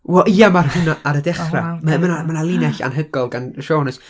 W- ia, ma' hwnna ar y dechrau, ma' 'na, ma' 'na linell anhygoel gan Siôn, oes.